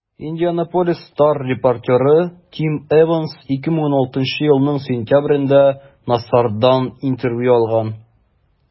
«индианаполис стар» репортеры тим эванс 2016 елның сентябрендә нассардан интервью алган.